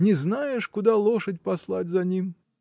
Не знаешь, куда лошадь послать за ним!